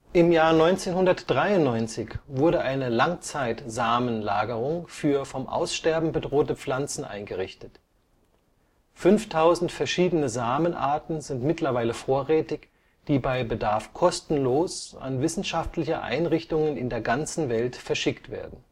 1993 wurde eine Langzeit-Samenlagerung für vom Aussterben bedrohte Pflanzen eingerichtet. 5000 verschiedene Samenarten sind mittlerweile vorrätig, die bei Bedarf kostenlos an wissenschaftliche Einrichtungen in der ganzen Welt verschickt werden